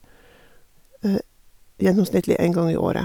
Gjennomsnittlig en gang i året.